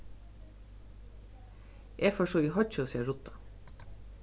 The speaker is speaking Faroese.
eg fór so í hoyggjhúsið at rudda